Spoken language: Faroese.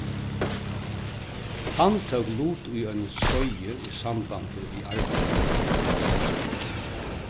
hann tók lut í einum skeiði í sambandi við arbeiði